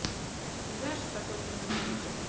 ты знаешь что такое кино минуты